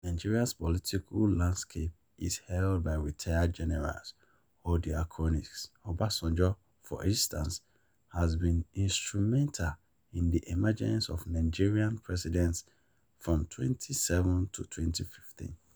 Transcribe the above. Nigeria’s political landscape is held by retired generals or their cronies. Obasanjo, for instance, has been instrumental in the emergence of Nigerian presidents from 2007 to 2015.